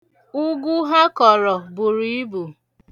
Ụgụ ha kọrọ buru ibu.